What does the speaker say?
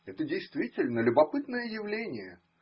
Это, действительно, любопытное явление